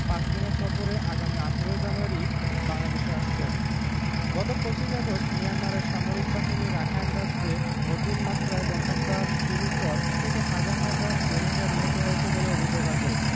পাঁচ দিনের সফরে আগামী ১৮ জানুয়ারি বাংলাদেশে আসছেন গত ২৫ আগস্ট মিয়ানমার সামরিক বাহিনী রাখাইন রাজ্যে নতুন মাত্রায় গণহত্যা শুরুর পর থেকে হাজার হাজার রোহিঙ্গা নিহত হয়েছে বলে অভিযোগ আছে